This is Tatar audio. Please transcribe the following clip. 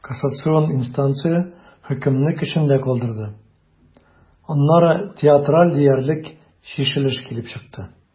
Кассацион инстанция хөкемне көчендә калдырды, аннары театраль диярлек чишелеш килеп чыкты.